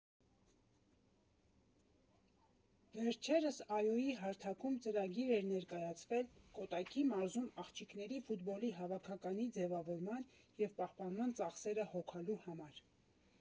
Վերջերս ԱՅՈ֊ի հարթակում ծրագիր էր ներկայացվել Կոտայքի մարզում աղջիկների ֆուտբոլի հավաքականի ձևավորման և պահպանման ծախսերը հոգալու համար։